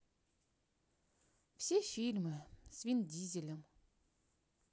все фильмы с вин дизелем